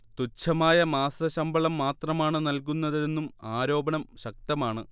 തുച്ഛമായ മാസശമ്പളം മാത്രമാണ് നൽകുന്നതെന്നും ആരോപണം ശക്തമാണ്